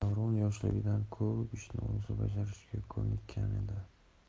davron yoshligidan ko'p ishni o'zi bajarishga ko'nikkan edi